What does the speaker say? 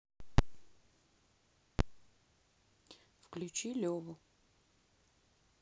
включи леву